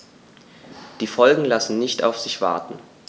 Die Folgen lassen nicht auf sich warten.